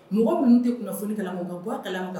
Mɔgɔ minnu tɛso kalan kan bɔ kalan kan